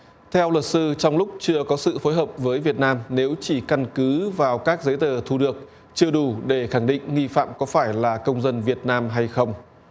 theo luật sư trong lúc chưa có sự phối hợp với việt nam nếu chỉ căn cứ vào các giấy tờ thu được chưa đủ để khẳng định nghi phạm có phải là công dân việt nam hay không